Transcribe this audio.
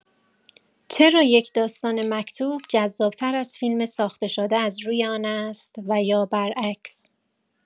چرا یک داستان مکتوب جذاب‌تر از فیلم ساخته‌شده از روی آن است و یا برعکس؟